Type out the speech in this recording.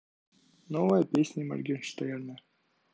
новая песня моргенштерна